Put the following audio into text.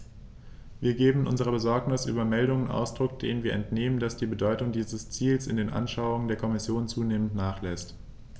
Wir geben unserer Besorgnis über Meldungen Ausdruck, denen wir entnehmen, dass die Bedeutung dieses Ziels in den Anschauungen der Kommission zunehmend nachlässt.